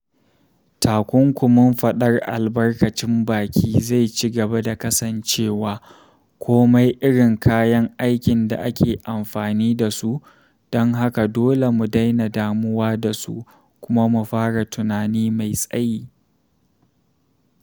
Takunkumin faɗar albarkacin baki zai ci gaba da kasancewa, komai irin kayan aikin da ake amfani da su, don haka dole mu daina damuwa da su kuma mu fara tunani mai tsayi.